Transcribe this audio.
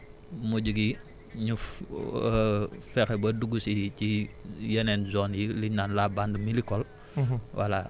voilà mujj gi ñu fexe ba dugg si ci yeneen zones yi liñ naan la bande milicole